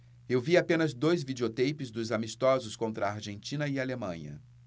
eu vi apenas dois videoteipes dos amistosos contra argentina e alemanha